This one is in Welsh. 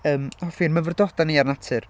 yym, hoffi ein myfyrdodau ni ar natur.